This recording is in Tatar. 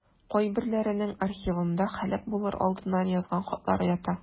Кайберләренең архивымда һәлак булыр алдыннан язган хатлары ята.